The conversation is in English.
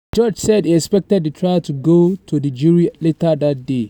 The judge said he expected the trial to go to the jury later that day.